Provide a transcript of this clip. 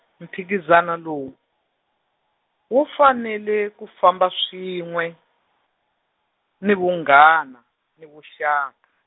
mphikizano lowu, wu fanele ku famba swin'we, ni vunghana, ni vuxaka.